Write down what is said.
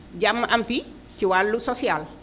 jàmm am fi ci wàllu social